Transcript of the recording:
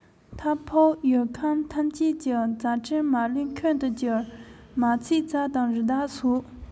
མཐའ ཕུགས ཡུལ ཁམས ཐམས ཅད ཀྱི བྱ སྤྲེལ མ ལུས འཁོན དུ གྱུར མ ཚད བྱ དང རི དྭགས སོགས